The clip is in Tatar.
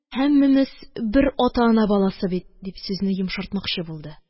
Һәммәмез бер ата-ана баласы бит, – дип, сүзне йомшартмакчы булды.